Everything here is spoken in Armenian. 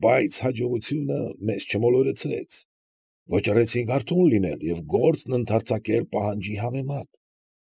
Բայց հաջողությունը մեզ չմոլորեցրեց. վճռեցինք արթուն լինել և գործն ընդարձակել պահանջի համեմատ։